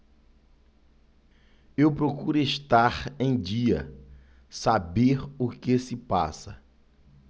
eu procuro estar em dia saber o que se passa